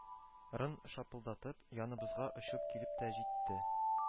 Рын шапылдатып, яныбызга очып килеп тә җитте